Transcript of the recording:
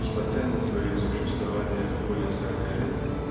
несмотря на свое существование более сорока лет